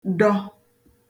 dọ